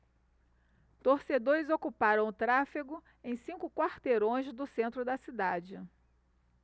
torcedores ocuparam o tráfego em cinco quarteirões do centro da cidade